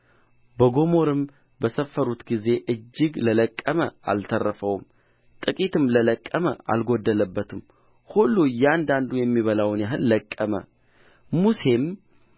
በጎሞርም በሰፈሩት ጊዜ እጅግ ለለቀመ አልተረፈውም ጥቂትም ለለቀመ አልጐደለበትም ሁሉ እያንዳንዱ የሚበላውን ያህል ለቀመ ሙሴም